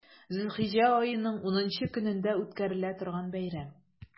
Зөлхиҗҗә аеның унынчы көнендә үткәрелә торган бәйрәм.